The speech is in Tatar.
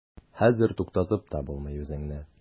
Хәзер туктатып та булмый үзеңне.